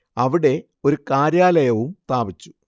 അവിടെ ഒരു കാര്യാലയവും സ്ഥാപിച്ചു